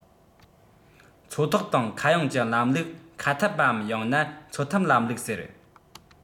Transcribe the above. མཚོ ཐོག དང མཁའ དབྱིངས ཀྱི ལམ ལུགས མཁའ འཐབ པའམ ཡང ན མཚོ འཐབ ལམ ལུགས ཟེར